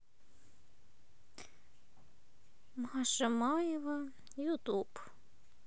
маша маева ютуб